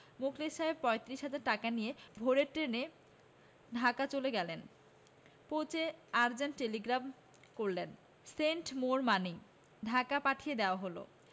মুখলেস সাহেব পয়ত্রিশ হাজার টাকা নিয়ে ভোরের ট্রেনে ঢাকা চলে গেলেন পৌছেই আর্জেন্ট টেলিগ্রাম করলেন সেন্ড মোর মানি ঢাকা পাঠিয়ে দেয়া হল